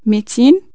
ميتين